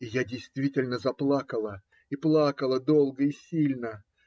И я действительно заплакала и плакала долго и сильно.